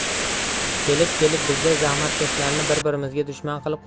kelib kelib bizday zahmatkashlarni bir birimizga